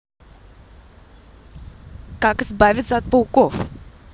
как избавиться от пауков